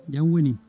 jaam woni